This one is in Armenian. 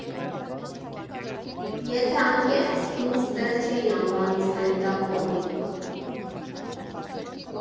Եթե անկեղծ, ինձ դեռ չէի անվանի ստենդափ կոմիկ։